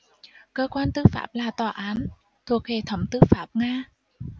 cơ quan tư pháp là tòa án thuộc hệ thống tư pháp nga